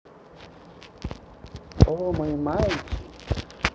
о мой мальчик